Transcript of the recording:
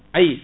ayi